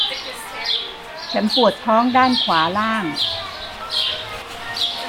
ฉันปวดท้องด้านขวาล่าง